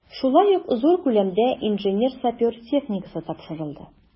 Шулай ук зур күләмдә инженер-сапер техникасы тапшырылды.